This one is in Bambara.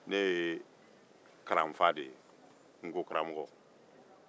ne ye kalanfa de ye nkokaramɔgɔ